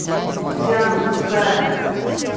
диана гурская